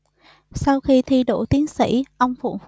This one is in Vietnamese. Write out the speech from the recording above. sau khi thi đỗ tiến sĩ ông phụng